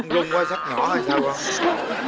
vuông quá xắt nhỏ làm sao cô